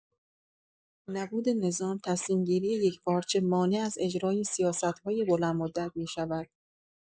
نبود نظام تصمیم‌گیری یکپارچه، مانع از اجرای سیاست‌های بلندمدت می‌شود.